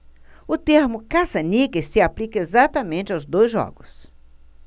o termo caça-níqueis se aplica exatamente aos dois jogos